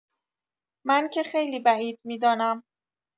من که خیلی بعید می‌دانم.